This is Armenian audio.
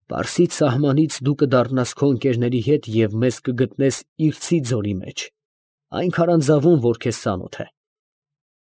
Պարսից սահմանից դու կդառնաս քո ընկերների հետ և մեզ կգտնես Իրցի֊Ձորի մեջ, այն քարանձավում, որ քեզ ծանոթ է։